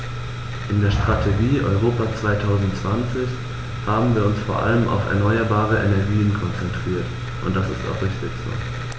In der Strategie Europa 2020 haben wir uns vor allem auf erneuerbare Energien konzentriert, und das ist auch richtig so.